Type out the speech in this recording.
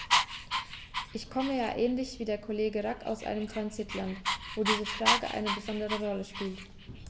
Ich komme ja ähnlich wie der Kollege Rack aus einem Transitland, wo diese Frage eine besondere Rolle spielt.